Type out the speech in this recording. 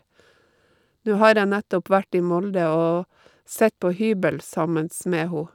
Nå har jeg nettopp vært i Molde og sett på hybel sammen med ho.